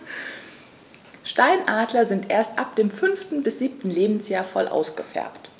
Steinadler sind erst ab dem 5. bis 7. Lebensjahr voll ausgefärbt.